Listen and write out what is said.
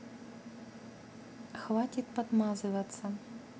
хватит подмазываться